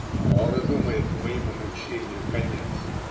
"Скоро, - думает, - моему мучению конец.